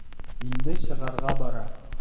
Инде чыгарга бара.